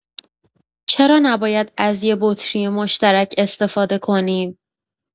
چرا نباید از یه بطری مشترک استفاده کنیم؟